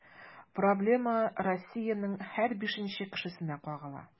Проблема Россиянең һәр бишенче кешесенә кагыла.